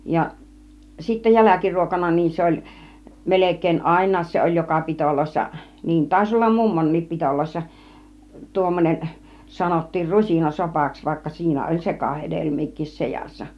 ja sitten jälkiruokana niin se oli melkein aina se oli joka pidoissa niin taisi olla mummonkin pidoissa tuommoinen sanottiin - rusinasopaksi vaikka siinä oli sekahedelmiäkin seassa